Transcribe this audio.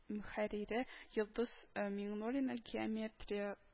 Мөхәррире йолдыз миңнуллина, геометрия